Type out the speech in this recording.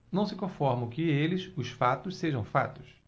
não se conformam que eles os fatos sejam fatos